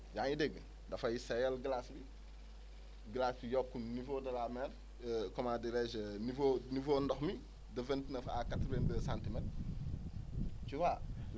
yaa ngi dégg dafay seeyal glace yi glaces yi yokk niveau de la mer comment dirais je niveau niveau ndox mi de vingt neuf à quatre vingt deux centimètres tu vois